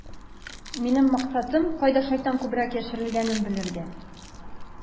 Минем максатым - кайда шайтан күбрәк яшеренгәнен белергә.